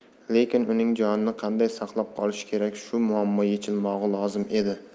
lekin uning jonini qanday saqlab qolish kerak shu muammo yechilmog'i lozim edi